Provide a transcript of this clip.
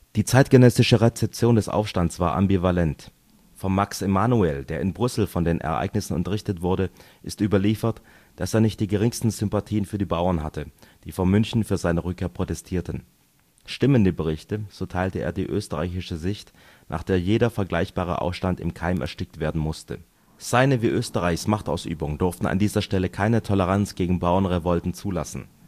Die zeitgenössische Rezeption des Aufstands war ambivalent. Von Max Emanuel, der in Brüssel von den Ereignissen unterrichtet wurde, ist überliefert, dass er nicht die geringsten Sympathien für die Bauern hatte, die vor München für seine Rückkehr protestierten. Stimmen die Berichte, so teilte er die österreichische Sicht, nach der jeder vergleichbare Aufstand im Keim erstickt werden musste. Seine wie Österreichs Machtausübung durften an dieser Stelle keine Toleranz gegen Bauernrevolten zulassen